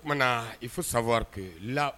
Oumana na i fo sawarike la